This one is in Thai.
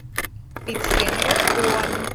ปิดเสียงรบกวน